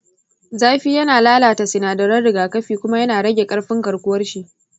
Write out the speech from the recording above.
zafi yana lalata sinadaran rigakafi kuma yana rage ƙarfin garkuwar shi.